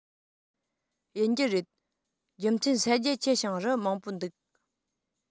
ཡིན རྒྱུ རེད རྒྱུ མཚན ས རྒྱ ཆེ ཞིང རི མང པོ འདུག